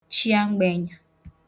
chị̀a mgbenyā